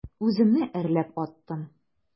Үземне әрләп аттым.